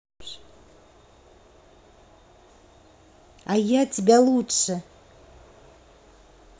а я тебя лучше